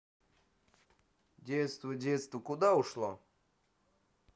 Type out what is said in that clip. детство детство куда ушло